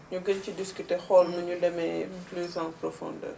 ñu gën ci discuté xool nu ñu demee plus en profondeur